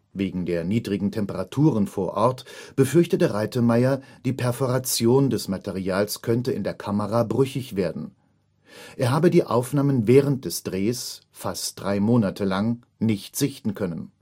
Wegen der niedrigen Temperaturen vor Ort befürchtete Reitemeier, die Perforation des Materials könnte in der Kamera brüchig werden. Er habe die Aufnahmen während des Drehs, fast drei Monate lang, nicht sichten können